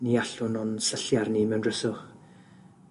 Ni allwn ond syllu arni mewn dryswch.